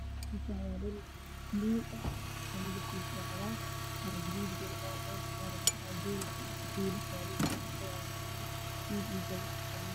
Halkaan waa dhul garee ah midabkiisu waa cagaar waana carro gaduud, geedo ayaa kabaxaayo, geelasha oo kafay ah joogo iyo wiil iyo gabar.